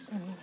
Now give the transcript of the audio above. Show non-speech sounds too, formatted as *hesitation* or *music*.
*hesitation* *hesitation*